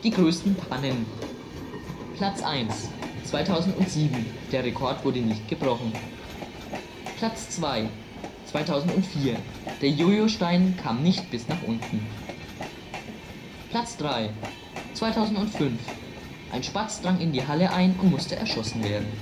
größten Pannen: Platz 1: 2007: Der Rekord wurde nicht gebrochen Platz 2: 2004: Der Jojo-Stein kam nicht bis nach unten Platz 3: 2005: Ein Spatz drang in die Halle ein und musste erschossen werden